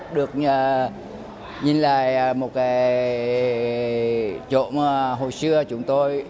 được nhà nhìn lại à một cái chỗ mà hồi xưa chúng tôi